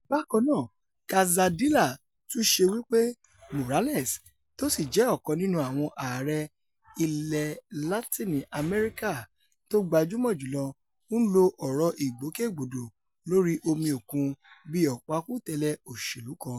Bákannáà Calzadilla tún ṣẹ́ wí pé Morales - tó sí jẹ ọ̀kan nínú àwọn ààrẹ̀ ilẹ Latinni Amẹ́ríkà tó gbajúmọ̀ jùlọ - ńlo ọ̀rọ̀ ìgbòke-gbodò lórí omi òkun bí ọ̀pákùtẹ̀lẹ̀ òṣèlú kan.